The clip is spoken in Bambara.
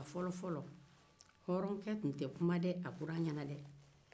fɔlɔ fɔlɔ hɔronke tun tɛ kuma a buran ɲɛna